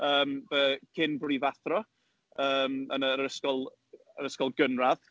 Yym, fy cyn brifathro. Yym, yn yr ysgol yr ysgol gynradd.